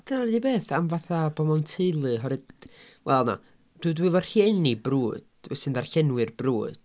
Dyna'r unig beth am fatha bod mewn teulu oherwy- d... wel na d- dwi efo rhieni brwd. Sy'n ddarllenwyr brwd.